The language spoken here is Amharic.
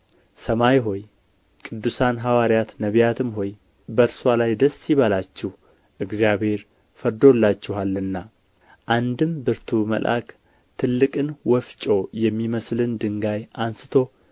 ሰማይ ሆይ ቅዱሳን ሐዋርያት ነቢያትም ሆይ በእርስዋ ላይ ደስ ይበላችሁ እግዚአብሔር ፈርዶላችኋልና አንድም ብርቱ መልአክ ትልቅን ወፍጮ የሚመስልን ድንጋይ አንስቶ